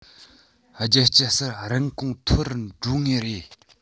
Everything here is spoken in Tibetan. རྒྱལ སྤྱིའི གསེར རིན གོང མཐོ རུ འགྲོ ངེས རེད